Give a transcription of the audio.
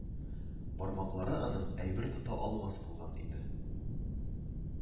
Бармаклары аның әйбер тота алмас булган иде